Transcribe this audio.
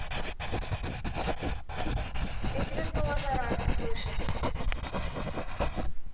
я тебя тожа рада слышать